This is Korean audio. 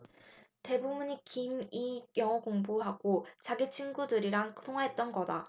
대부분이 김 이 영어공부하고 자기 친구들이랑 통화했던 거다